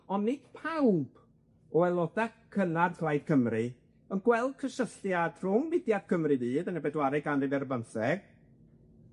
on' nid pawb, o aeloda' cynnar Plaid Cymru, yn gweld cysylltiad rhwng mudiad Cymru fydd yn y bedwaredd ganrif ar bymtheg,